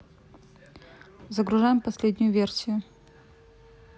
загружаем последнюю версию